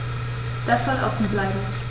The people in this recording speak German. Das soll offen bleiben.